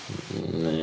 Ia.